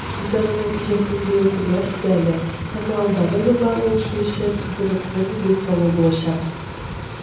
Без аның нәтиҗәсен быел күрмәбез дә әле, әмма алдагы еллар уңышы өчен бу ныклы нигез салу булачак.